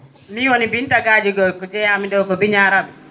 min woni Binta Gadjigo jeeyami ?o ko Biñaran